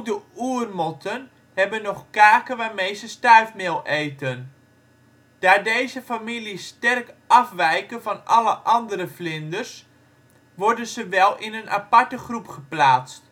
Ook de oermotten hebben nog kaken waarmee ze stuifmeel eten. Daar deze families sterk afwijken van alle andere vlinders worden ze wel in een aparte groep geplaatst